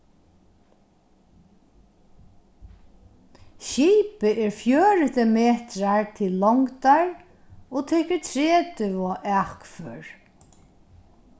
skipið er fjøruti metrar til longdar og tekur tretivu akfør